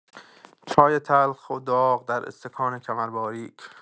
چای تلخ و داغ در استکان کمر باریک